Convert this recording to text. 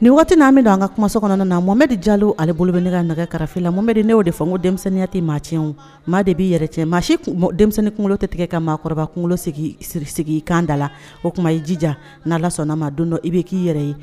Nin waati n'a min don an ka kumaso kɔnɔ na mɔ m de jalo aleale bolo bɛ ne ka nɛgɛ kara la mɔnɛden ne'o de fa ko denmisɛnninya kuyate maac o maa de b'i yɛrɛ cɛ maasi denmisɛnninkun tɛ tigɛ ka maakɔrɔba kungo sigi kanda la o tuma ye jija n'a la sɔnna'a ma don dɔ i b' k'i yɛrɛ ye